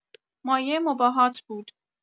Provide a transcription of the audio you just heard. مایه مباهات بود